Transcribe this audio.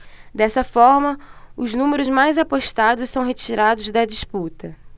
dessa forma os números mais apostados são retirados da disputa